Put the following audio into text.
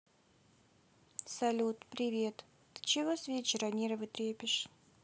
салют привет ты чего с вечера нервы трепишь